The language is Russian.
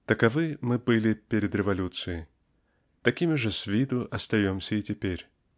Таковы мы были перед революцией, такими же с виду остаемся и теперь.